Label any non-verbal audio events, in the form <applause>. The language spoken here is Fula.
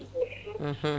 <hesitation> <hesitation>